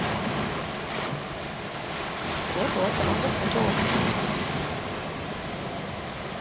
вот вот оно запуталось